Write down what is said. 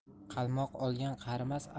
qalmoq olgan qarimas